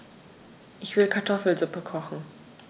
Ich will Kartoffelsuppe kochen.